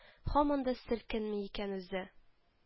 – һаман да селкенми икән үзе